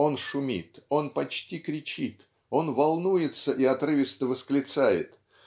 он шумит, он почти кричит, он волнуется и отрывисто восклицает.